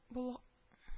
Бул